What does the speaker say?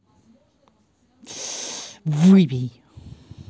выбей